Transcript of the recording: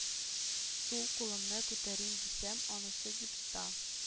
Сул кулымны күтәрим дисәм анысы гипста